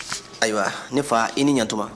Ayiwa ne fa i ni ɲtuma